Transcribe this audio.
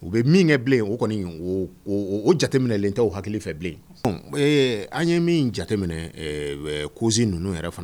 U bɛ min kɛ bilen yen o kɔni o jateminɛlen tɛ hakili fɛ bilen an ye min jate minɛ kosi ninnu yɛrɛ fana